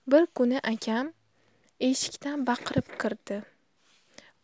bir kuni akam eshikdan baqirib kirdi